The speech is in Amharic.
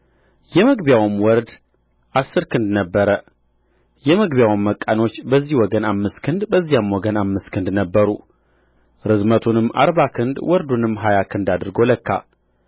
የመግቢያውም ወርድ አሥር ክንድ ነበረ የመግቢያውም መቃኖች በዚህ ወገን አምስት ክንድ በዚያም ወገን አምስት ክንድ ነበሩ ርዝመቱንም አርባ ክንድ ወርዱንም ሀያ ክንድ አድርጎ ለካ